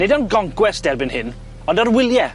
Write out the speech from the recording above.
Nid am goncwest erbyn hyn, ond ar wylie.